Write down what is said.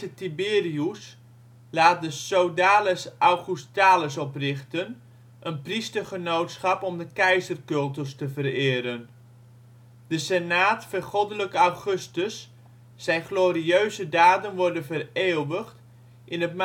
Tiberius laat de Sodales Augustales oprichten, een priestergenootschap om de keizercultus te vereren. De Senaat vergoddelijkt Augustus, zijn glorieuze daden worden vereeuwigd in het